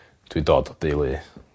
dwi dod o deulu